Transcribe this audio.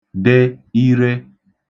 de ire